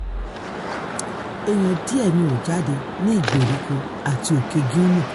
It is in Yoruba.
Ènìyàn díẹ̀ ni ó jáde ní ìgbèríko àti Òkèe Guinea.